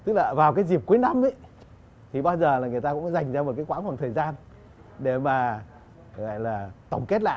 tức là vào cái dịp cuối năm í thì bao giờ là người ta cũng dành ra một cái quãng thời gian để mà lại là tổng kết lại